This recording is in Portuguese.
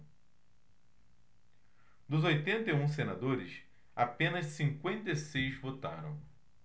dos oitenta e um senadores apenas cinquenta e seis votaram